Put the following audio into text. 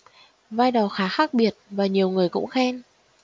vai đó khá khác biệt và nhiều người cũng khen